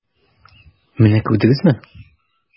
Менә күрдеңме?